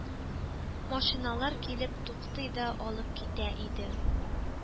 Машиналар килеп туктый да алып китә иде.